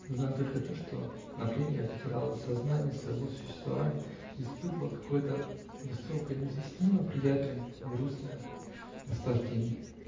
знаю только то, что на время я потерял сознание своего существования и испытывал какое-то высокое, неизъяснимо-приятное и грустное наслаждение.